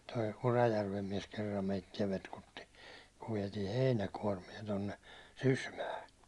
tuo Urajärven mies kerran meitä petkutti kun vietiin heinäkuormia tuonne Sysmään